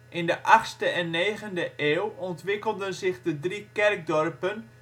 In de 8e en 9e eeuw ontwikkelden zich de drie kerkdorpen